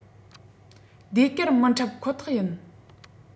ཟློས གར མི འཁྲབ ཁོ ཐག ཡིན